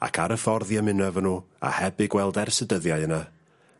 Ac ar y ffordd i ymuno efo n'w a heb eu gweld ers y dyddiau yna ...